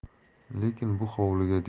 lekin bu hovliga